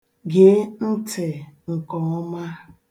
Gee ntị nke ọma.